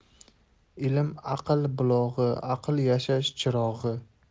ilm aql bulog'i aql yashash chirog'i